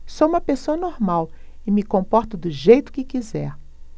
sou homossexual e me comporto do jeito que quiser